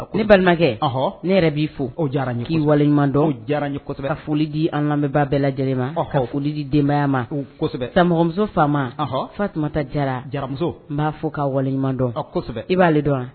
Ko balimakɛhɔ ne yɛrɛ b'i fɔ o jarain' waleɲuman dɔn o jarasɛbɛ kosɛbɛ ka folidi an lamɛnbaa bɛɛ lajɛlen ma folidi denbaya ma o kosɛbɛ samɔgɔmuso fah fatuma ta jara jaramuso n b'a fɔ ka waleɲuman dɔn kosɛbɛ i b'ale dɔn wa